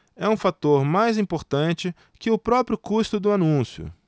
é um fator mais importante que o próprio custo do anúncio